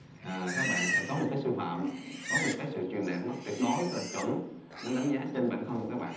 ờ các bạn phải có một cái sư phạm có một cái sự truyền đạt nó tuyệt đối là chuẩn nó đánh giá trên bản thân của các bạn